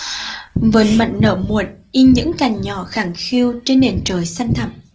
vườn mận nở muộn in những cành nhỏ khẳng khiu trên nền trời xanh thẳm